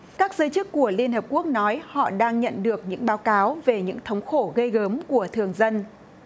các giới chức của liên hợp quốc nói họ đang nhận được những báo cáo về những thống khổ ghê gớm của thường dân